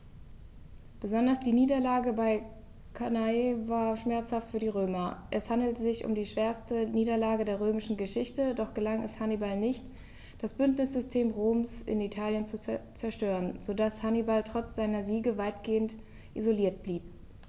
Besonders die Niederlage bei Cannae war schmerzhaft für die Römer: Es handelte sich um die schwerste Niederlage in der römischen Geschichte, doch gelang es Hannibal nicht, das Bündnissystem Roms in Italien zu zerstören, sodass Hannibal trotz seiner Siege weitgehend isoliert blieb.